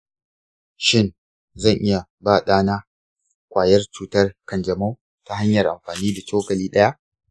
shin zan iya ba ɗana kwayar cutar kanjamau ta hanyar amfani da cokali ɗaya?